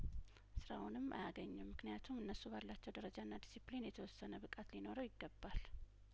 ስራውንም አያገኝም ምክንያቱም እነሱ ባላቸው ደረጃና ዲስፒሊን የተወሰነ ብቃት ሊኖረው ይገባል